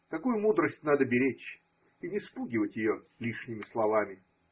Такую мудрость надо беречь и не спугивать ее лишними словами.